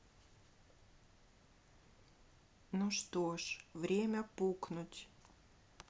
ну что ж время пукнуть